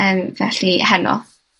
Yym, felly, heno.